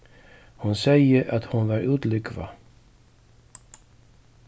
hon segði at hon var útlúgvað